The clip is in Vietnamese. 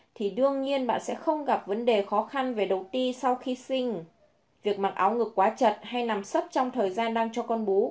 thì đương nhiên bạn sẽ không gặp vấn đề khó khăn về đầu ti sau khi sinh việc mặc áo ngực quá chật hay nằm sấp trong thời gian đang cho con bú